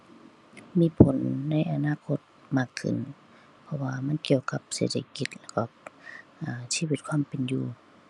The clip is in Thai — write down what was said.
มีผลในอนาคตมากขึ้น เพราะว่ามันเกี่ยวกับเศรษฐกิจแล้วก็ อ่า ชีวิตความเป็นอยู่